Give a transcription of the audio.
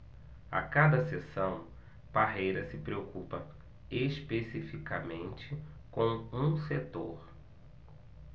a cada sessão parreira se preocupa especificamente com um setor